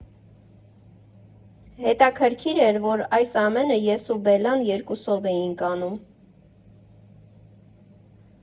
Հետաքրքիր էր, որ այս ամենը ես ու Բելլան երկուսով էինք անում։